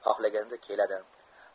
xohlaganda keladi